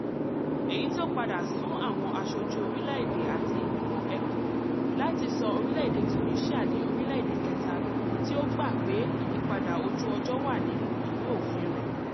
Èyí tí ó padà sún àwọn aṣojú orílẹ̀ èdè àti ìgbìmọ̀ ẹkùn láti sọ orílẹ̀ èdè Tunisia di orílẹ̀ èdè kẹta tí ó gbà pé ìyípadà ojú ọjọ́ wà nínú ìwé òfin rẹ̀.